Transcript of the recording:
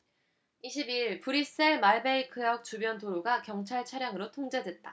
이십 이 일 브뤼셀 말베이크역 주변 도로가 경찰 차량으로 통제됐다